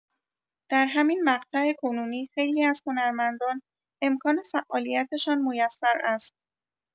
در همین مقطع کنونی خیلی از هنرمندان امکان فعالیت‌شان میسر است!